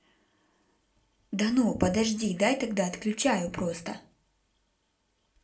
да ну подожди дай тогда отключаю просто